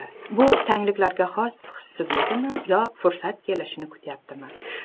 bu tangliklarga xos hissizligimi yo fursat kelishini kutmoqchimi